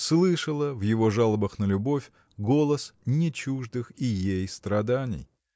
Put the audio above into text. слышала в его жалобах на любовь голос не чуждых и ей страданий.